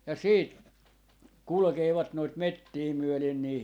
ja sitten kulkevat noita metsiä myöden niin